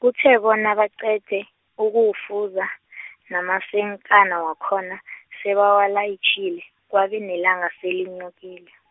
kuthe bona baqede, ukuwufuza , namasenkana wakhona , sebawalayitjhile kwabe nelanga selenyukile.